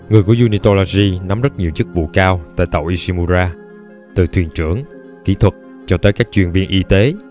người của unitology nắm rất nhiều chức vụ cao tại tàu ishimura từ thuyền trưởng kỹ thuật cho cho tới các chuyên viên y tế